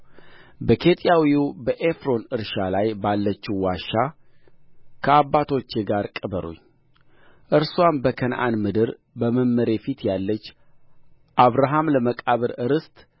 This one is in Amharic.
በኬጢያዊ በኤፍሮን እርሻ ላይ ባለችው ዋሻ ከአባቶቼ ጋር ቅበሩኝ እርስዋም በከነዓን ምድር በመምሬ ፊት ያለች አብርሃም ለመቃብር ርስት